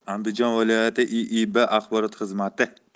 andijon viloyati iib axborot xizmati